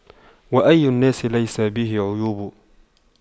وأي الناس ليس به عيوب